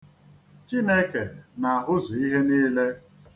Chineke na-ahụzu ihe niile.